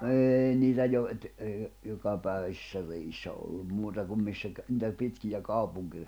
ei niitä - että - jokapäiväisissä reissä ollut muuta kuin missä - niitä pitkiä -